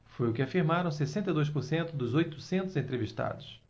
foi o que afirmaram sessenta e dois por cento dos oitocentos entrevistados